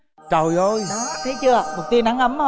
trời ơi đó thấy chưa một tia nắng ấm không